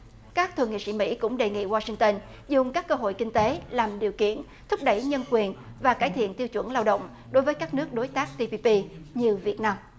các thượng nghị sĩ mỹ cũng đề nghị quoa sinh tơn dùng các cơ hội kinh tế làm điều kiện thúc đẩy nhân quyền và cải thiện tiêu chuẩn lao động đối với các nước đối tác ti pi pi như việt nam